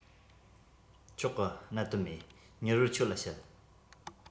ཆོག གི གནད དོན མེད མྱུར བར ཁྱོད ལ བཤད